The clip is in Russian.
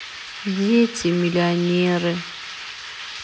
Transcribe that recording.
дети миллионеры